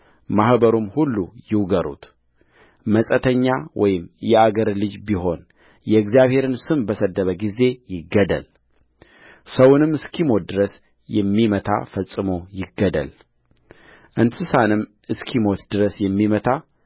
ማኅበሩም ሁሉ ይውገሩት መጻተኛ ወይም የአገር ልጅ ቢሆን የእግዚአብሔርን ስም በሰደበ ጊዜ ይገደልሰውንም እስኪሞት ድረስ የሚመታ ፈጽሞ ይገደልእንስሳንም እስኪሞት ድረስ የሚመታ